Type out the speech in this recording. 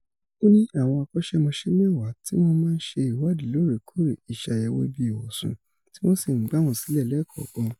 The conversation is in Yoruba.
Ó ní àwọn akọ́ṣẹmọṣẹ́ mẹ́wàá, tí wọ́n máa \n ṣe ìwádìí lóòrèkóòrè, ìṣàyẹ̀wò ibi ìwọ̀sùn tí wọ́n sì ń gbà wọ́n sílẹ̀ lẹ́ẹ̀kọ̀ọ̀kan.